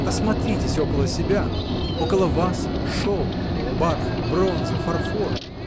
Осмотритесь около себя: около вас шелк, бархат, бронза, фарфор.